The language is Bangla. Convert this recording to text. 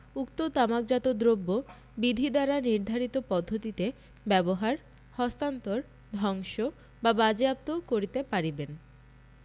উক্ত তামাকজাত দ্রব্য বিধি দ্বারা নির্ধারিত পদ্ধতিতে ব্যবহার হস্তান্তর ধ্বংস বা বাজেয়াপ্ত করিতে পারিবেন